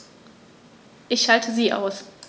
Ich schalte sie aus.